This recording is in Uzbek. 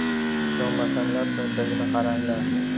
ishonmasanglar cho'ntagini qaranglar